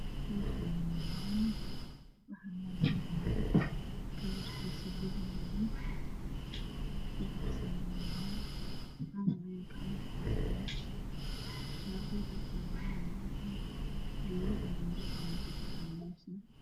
Meeshaan waxaa maraayo. gaari kalarkiisa yahay baluug waxaa saaran Niman Calan ayey. gacanta kuwataan shaatiyaal cadcad ah ayey wataan geedo. cagaran ayaa ka baxaayo meeshaan